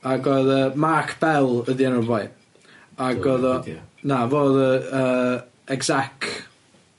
Ag o'dd yy Mark Bell ydi enw'r boi ag o'dd o na fo o'dd y yy exec.